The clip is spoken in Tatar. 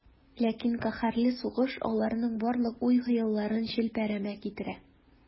Ләкин каһәрле сугыш аларның барлык уй-хыялларын челпәрәмә китерә.